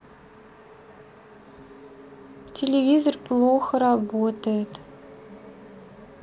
телевизор плохо работает